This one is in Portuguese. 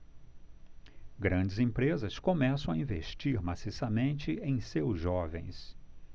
grandes empresas começam a investir maciçamente em seus jovens